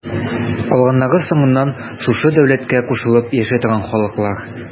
Калганнары соңыннан шушы дәүләткә кушылып яши торган халыклар.